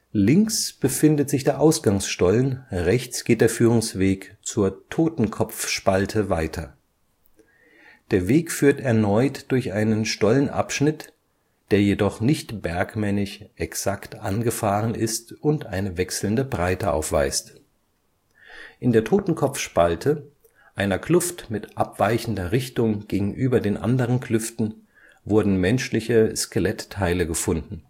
Links befindet sich der Ausgangsstollen, rechts geht der Führungsweg zur Totenkopfspalte weiter. Der Weg führt erneut durch einen Stollenabschnitt, der jedoch nicht bergmännisch exakt angefahren ist und eine wechselnde Breite aufweist. In der Totenkopfspalte, einer Kluft mit abweichender Richtung gegenüber den anderen Klüften, wurden menschliche Skelettteile gefunden